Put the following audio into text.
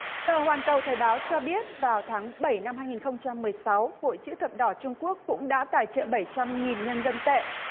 tờ hoàn cầu thời báo cho biết vào tháng bảy năm hai nghìn không trăm mười sáu hội chữ thập đỏ trung quốc cũng đã tài trợ bảy trăm nghìn nhân dân tệ